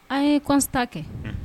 An ye kɔta kɛ